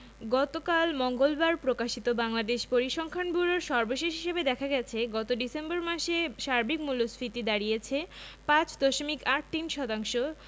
গতকাল মঙ্গলবার প্রকাশিত বাংলাদেশ পরিসংখ্যান ব্যুরোর সর্বশেষ হিসাবে দেখা গেছে গত ডিসেম্বর মাসে সার্বিক মূল্যস্ফীতি দাঁড়িয়েছে ৫ দশমিক ৮৩ শতাংশ